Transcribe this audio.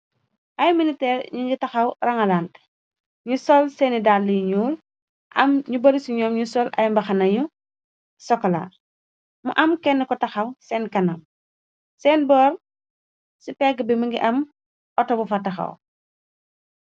Ay militeer ñi ngi taxaw rangalante, ñu sol seeni dalle yu ñuul, am ñu bari ci ñoom ñu sol ay mbaxana yu sokolaa, mu am kenne ko taxaw seen kanam, seen boor ci pegg bi mingi am auto bu fa taxaw.